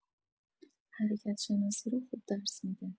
حرکت‌شناسی رو خوب درس می‌ده؟